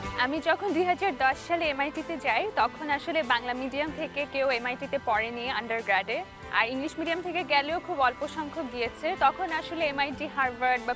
আমি যখন ২০১০ সালে এম আই টি তে যাই তখন আসলে বাংলা মিডিয়াম থেকে কেউ এমআইটিতে পড়েনি আন্ডার গ্রেডে ইংলিশ মিডিয়াম থেকে গেলেও খুব অল্পসংখ্যক গিয়েছে ফোন আসলে এমআইটি হার্ভার্ড বা